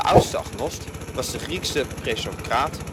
oudste agnost was de Griekse presocraat